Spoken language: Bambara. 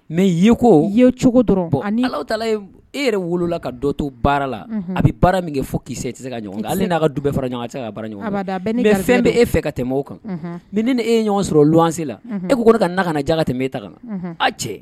Mɛ ye ko ye cogo dɔrɔn bɔ ani ala ta e yɛrɛ wolola ka dɔ to baara la a bɛ baara min kɛ fo kisɛ tɛ se ka ɲɔgɔn kan ale n'a ka dubɛ fara ɲɔgɔn tɛ se ka baara ɲɔgɔn ni bɛ fɛn bɛ e fɛ ka tɛmɛ o kan ni ni e ye ɲɔgɔn sɔrɔ wanse la e kokoro ka na ka ja ka tɛmɛ e ta ka na a cɛ